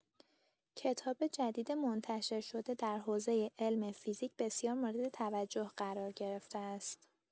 کتاب جدید منتشر شده در حوزه علم فیزیک بسیار مورد توجه قرار گرفته است.